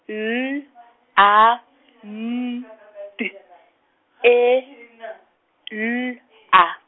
N, A, N, D, E, N, A.